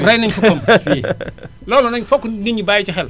ray nañu ko fii loolu nañ fokk nit ñi bàyyi ci xel